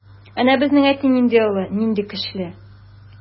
Әнә безнең әти нинди олы, нинди көчле.